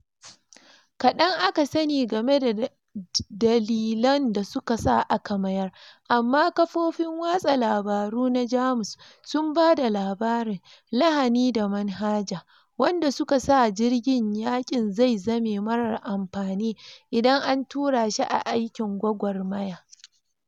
Kadan aka sani game da dalilan da suka sa aka mayar, amma kafofin watsa labaru na Jamus sun ba da labarin "lahani da manhaja" wanda suka sa jirgin yakin zai zame marar amfani idan an tura shi a aikin gwagwarmaya.